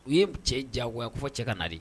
U ye cɛ diyago fɔ cɛ ka naa